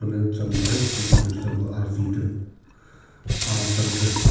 odam bo'lsa do'ppini chambarak qilib yursa arzirdi